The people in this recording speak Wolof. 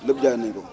lépp jaay nañ ko